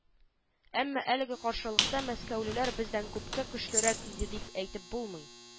Әмма әлеге каршылыкта мәскәүлеләр бездән күпкә көчлерәк иде дип әйтеп булмый